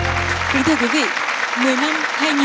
kính thưa quý vị